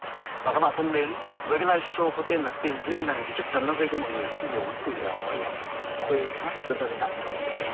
và các bạn thân mến với lai sâu có tên là tiền duyên này thì chắc chắn đã gây cho mọi người nhiều với sự gọi là khuê hát dân gian đương đại không